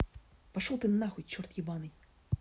пошел ты нахуй черт ебаный